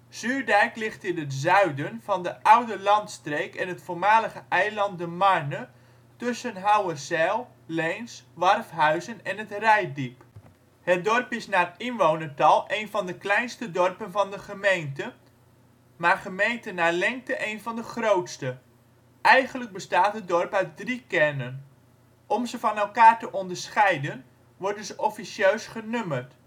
Zuurdijk ligt in het zuiden van de oude landstreek en het voormalige eiland De Marne tussen Houwerzijl, Leens, Warfhuizen en het Reitdiep. Het dorp is naar inwonertal een van de kleinste dorpen van de gemeente, maar gemeten naar lengte een van de grootste. Eigenlijk bestaat het dorp uit drie kernen. Om ze van elkaar te onderscheiden worden ze officieus genummerd